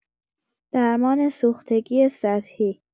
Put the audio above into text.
درمان سوختگی سطحی!